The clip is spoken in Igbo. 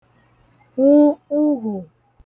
wụ ughù